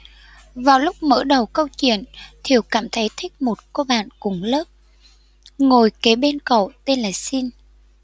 vào lúc mở đầu câu chuyện thiều cảm thấy thích một cô bạn cùng lớp ngồi kế bên cậu tên là xin